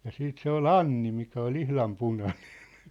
ja sitten se oli Anni mikä oli ihan punainen